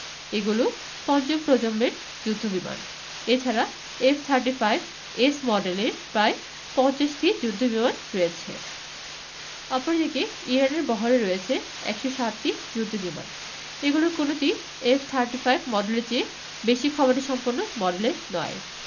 এগুলো পঞ্চম প্রজন্মের যুদ্ধবিমান এ ছাড়া এফ থার্টি ফাইভ এস মডেলের প্রায় ৫০টি যুদ্ধবিমান রয়েছে অপরদিকে ইরানের বহরে রয়েছে ১৬০টি যুদ্ধবিমান এগুলোর কোনোটিই এফ থার্টি ফাইভ মডেলের বেশি ক্ষমতাসম্পন্ন মডেলের নয়